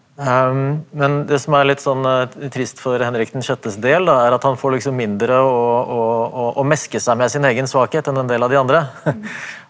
men det som er litt sånn trist for Henrik den sjettes del da er at han får liksom mindre å å å meske seg med sin egen svakhet enn en del av de andre .